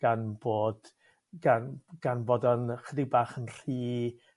Gan bod gan gan fod yn ychydig bach yn rhy